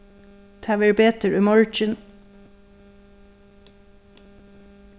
tað verður betur í morgin